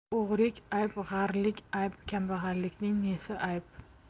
o'g'rik ayb g'arlik ayb kambag'allikning nesi ayb